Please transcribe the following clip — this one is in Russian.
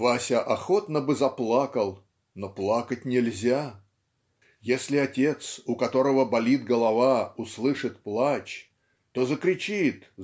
Вася охотно бы заплакал, но плакать нельзя. Если отец у которого болит голова услышит плач то закричит